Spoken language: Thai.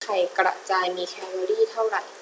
ไข่กระจายมีแคลอรี่เท่าไหร่